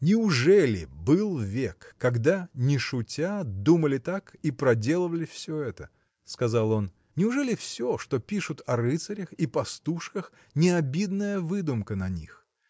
– Неужели был век, когда не шутя думали так и проделывали все это? – сказал он. – Неужели все что пишут о рыцарях и пастушках не обидная выдумка на них?